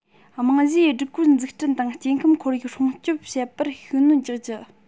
རྨང གཞིའི སྒྲིག བཀོད འཛུགས སྐྲུན དང སྐྱེ ཁམས ཁོར ཡུག སྲུང སྐྱོབ བྱེད པར ཤུགས སྣོན རྒྱག རྒྱུ